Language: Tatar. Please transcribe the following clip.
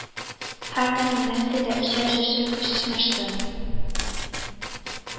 Һәр номинациядә өчәр җырчы көч сынашты